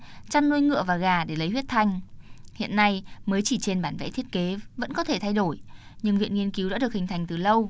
chăn nuôi ngựa và gà để lấy huyết thanh hiện nay mới chỉ trên bản vẽ thiết kế vẫn có thể thay đổi nhưng viện nghiên cứu đã được hình thành từ lâu